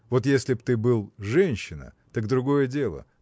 вот если б ты был женщина – так другое дело